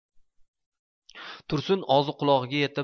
tursun og'zi qulog'iga yetib